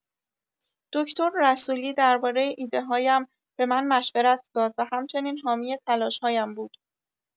دکتر رسولی درباره ایده‌هایم به من مشورت داد و همچنین حامی تلاش‌هایم بود.